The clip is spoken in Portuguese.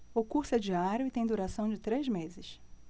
o curso é diário e tem duração de três meses